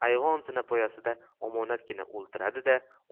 ayvon zinapoyasiga omonatgina o'tiradi da